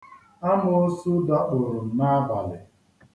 Amoosu dakporo m n'abalị.